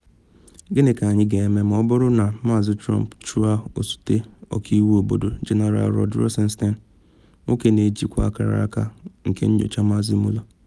Gịnị ka anyị ga-eme ma ọ bụrụ na Maazị Trump chụọ Osote Ọkaiwu Obodo General Rod Rosenstein, nwoke na ejikwa akaraka nke nyocha Maazị Mueller?